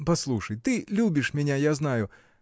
Послушай — ты любишь меня, я знаю.